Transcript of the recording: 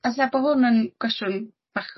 'alla' bo' hwn yn gwestiwn bach